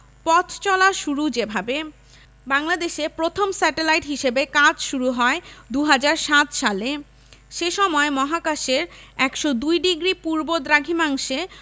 পথচলা শুরু যেভাবে বাংলাদেশে প্রথম স্যাটেলাইট নিয়ে কাজ শুরু হয় ২০০৭ সালে সে সময় মহাকাশের ১০২ ডিগ্রি পূর্ব দ্রাঘিমাংশে